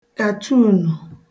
kàtuùnù